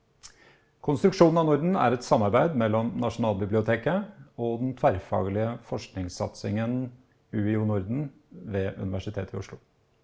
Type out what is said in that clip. Konstruksjonen av Norden er et samarbeid mellom Nasjonalbiblioteket og den tverrfaglige forskningssatsingen UiO Norden ved Universitetet i Oslo.